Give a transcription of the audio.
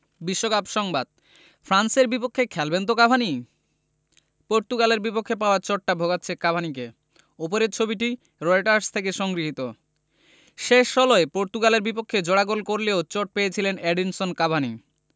বিশ্বকাপ সংবাদ ফ্রান্সের বিপক্ষে খেলবেন তো কাভানি পর্তুগালের বিপক্ষে পাওয়া চোটটা ভোগাচ্ছে কাভানিকে ওপরের ছবিটি রয়টার্স থেকে সংগৃহীত শেষ ষোলোয় পর্তুগালের বিপক্ষে জোড়া গোল করলেও চোট পেয়েছিলেন এডিনসন কাভানি